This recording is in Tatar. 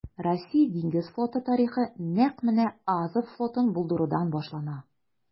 Россия диңгез флоты тарихы нәкъ менә Азов флотын булдырудан башлана.